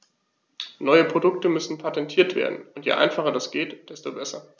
Neue Produkte müssen patentiert werden, und je einfacher das geht, desto besser.